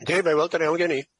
Yndi, mae o i weld yn iawn gen i.